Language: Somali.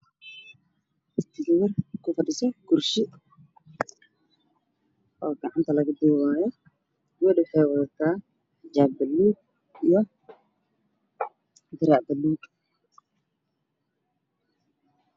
Gabar ku fadhido kursi gabadha gacanta ayaa laga duubayaa waxayna wadataa xijaab madow ah ka dirac buluugga